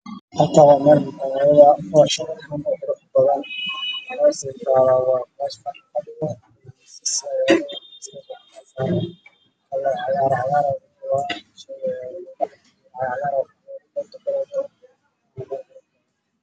Waa qol maxaa yeelay kuraas madowga ah waxaa ka danbeeyo meel uu ka ifaayeen meel dahabi ah oo aad u qurux badan